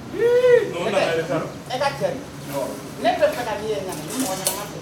Ne